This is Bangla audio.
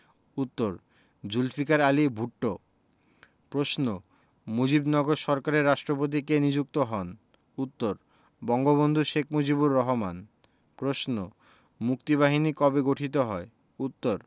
উত্তরঃ জুলফিকার আলী ভুট্ট প্রশ্ন মুজিবনগর সরকারের রাষ্ট্রপতি কে নিযুক্ত হন উত্তর বঙ্গবন্ধু শেখ মুজিবুর রহমান প্রশ্ন মুক্তিবাহিনী কবে গঠিত হয় উত্তর